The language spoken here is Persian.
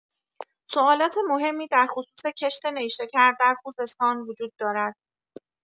سوالات مهمی درخصوص کشت نیشکر در خوزستان وجود دارد.